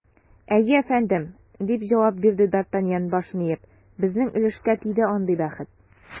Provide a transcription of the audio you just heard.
Әйе, әфәндем, - дип җавап бирде д’Артаньян, башын иеп, - безнең өлешкә тиде андый бәхет.